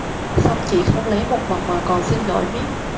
xong chị không lấy một đồng mà còn xin lỗi miết